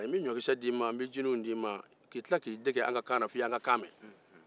n bɛ ji ni ɲɔkisɛw d'i ma n y'i dege an ka kan na f'i yan ka kan mɛn